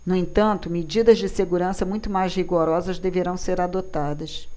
no entanto medidas de segurança muito mais rigorosas deverão ser adotadas